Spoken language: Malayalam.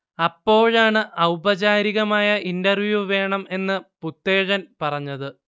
അപ്പോഴാണ് ഔപചാരികമായ ഇന്റർവ്യൂ വേണം എന്ന് പുത്തേഴൻ പറഞ്ഞത്